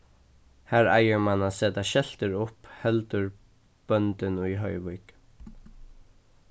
har eigur mann at seta skeltir upp heldur bóndin í hoyvík